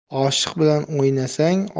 oshiq bilan o'ynasang